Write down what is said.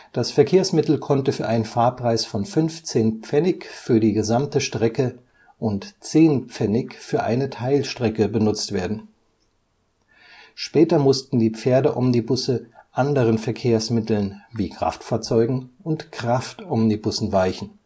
Das Verkehrsmittel konnte für einen Fahrpreis von 15 Pfennig für die gesamte Strecke und zehn Pfennig für eine Teilstrecke benutzt werden. Später mussten die Pferdeomnibusse anderen Verkehrsmitteln wie Kraftfahrzeugen und Kraftomnibussen weichen